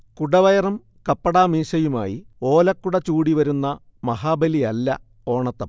കുടവയറും കപ്പടാമീശയുമായി ഓലക്കുട ചൂടിവരുന്ന മഹാബലിയല്ല ഓണത്തപ്പൻ